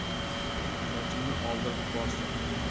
sochimni oldirib borsam